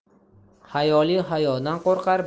hayoli hayodan qo'rqar